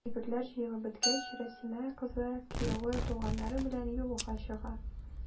Әйберләр җыелып беткәч, Рәсимә, кызы, кияве, туганнары белән юлга чыга.